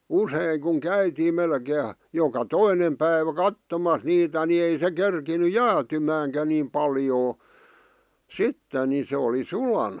usein kun käytiin melkein joka toinen päivä katsomassa niitä niin ei se kerinnyt jäätymäänkään niin paljoa sitten niin se oli sulana